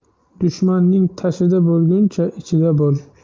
dushmanning tashida bo'lguncha ichida bo'l